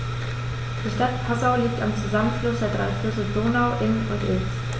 Die Stadt Passau liegt am Zusammenfluss der drei Flüsse Donau, Inn und Ilz.